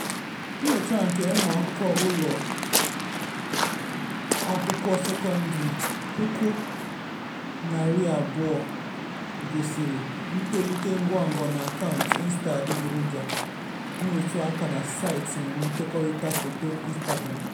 Nyocha nke ụmụ akwụkwọ ụlọ akwụkwọ sekọndịrị 20,000 gosiri ntolite ngwangwa n’akaụntụ “Insta adịgboroja” - nrụtụ aka na saịtị nkekọrịta-foto Instagram.